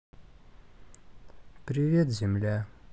привет земля